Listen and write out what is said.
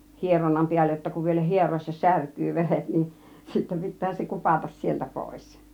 hieronnan päälle jotta kun vielä hieroessa särkyy veret niin sitten pitää se kupata sieltä pois